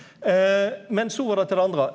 men så var det til det andre.